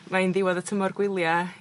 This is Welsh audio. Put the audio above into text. mae'n diwadd y tymor gwylia'